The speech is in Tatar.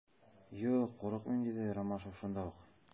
Юк, курыкмыйм, - диде Ромашов шунда ук.